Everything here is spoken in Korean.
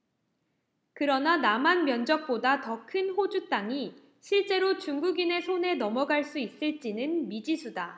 그러나 남한 면적보다 더 큰 호주 땅이 실제로 중국인의 손에 넘어갈 수 있을 지는 미지수다